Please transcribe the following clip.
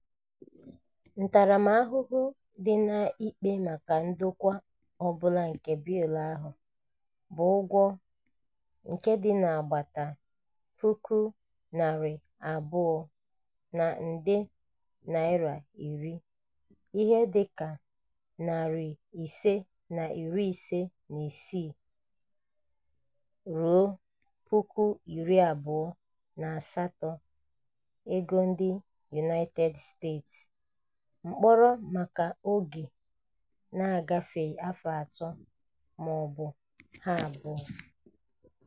Ntaramahụhụ dị n'ikpe maka ndokwa ọ bụla nke bịịlụ ahụ bụ ụgwọ nke dị n'agbata 200,000 na nde naira 10 [ihe dị ka $556 ruo $28,000 United States dollar], mkpọrọ maka oge na-agafeghị afọ atọ ma ọ bụ ha abụọ.